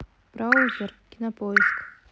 браузер кинопоиск